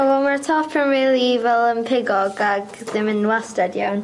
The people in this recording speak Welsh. Wel ma'r top yn rili fel yn pigog ag ddim yn wastad iawn.